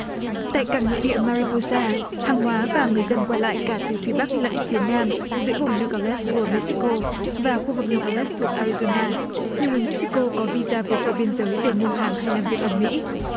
tại cảng nội địa ma ri pô gia hàng hóa và người dân quay lại cả từ phía bắc lẫn phía nam giữa vùng nô ca lét cua mê xi cô và khu vực nô ca lét thuộc a ri dô na nhiều người mê xi cô có vi da vượt qua biên giới để mua hàng hay làm việc ở mỹ